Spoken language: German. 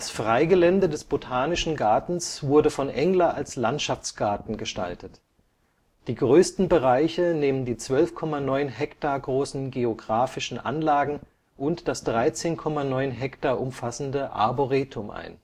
Freigelände des Botanischen Gartens wurde von Engler als Landschaftsgarten gestaltet. Die größten Bereiche nehmen die 12,9 Hektar großen geografischen Anlagen und das 13,9 Hektar umfassende Arboretum ein